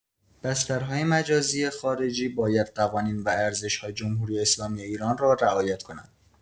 بسترهای مجازی خارجی باید قوانین و ارزش‌های جمهوری‌اسلامی ایران را رعایت کنند.